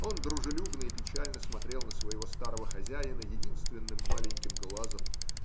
он дружелюбно и печально смотрел на своего старого хозяина единственным маленьким глазом.